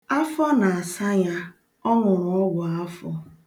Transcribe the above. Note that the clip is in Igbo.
Afọ na-asa ya, ọ ṅụrụ ọgwụafọ.